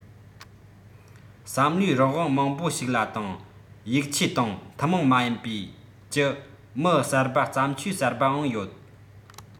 བསམ བློའི རང དབང མང པོ ཞིག ལ དང ཡིག ཆས དང ཐུན མོང མ ཡིན པའི ཀྱི མི གསར པ བརྩམས ཆོས གསར པའང ཡོད